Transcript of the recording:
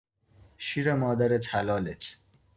شیر مادرت حلالت